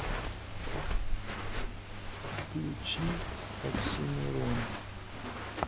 включи оксимирон